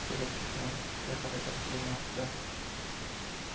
ko'chaga chiqmaslikka harakat qilmoqda